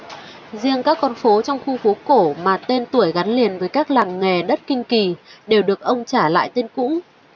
riêng các con phố trong khu phố cổ mà tên tuổi gắn liền với các làng nghề đất kinh kỳ đều được ông trả lại tên cũ